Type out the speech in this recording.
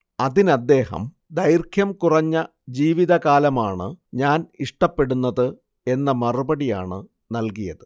അതിനദ്ദേഹം ദൈർഘ്യം കുറഞ്ഞ ജീവിതകാലമാണ് ഞാൻ ഇഷ്ടപ്പെടുന്നത് എന്ന മറുപടിയാണ് നൽകിയത്